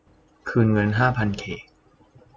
คืนเงินห้าพันเค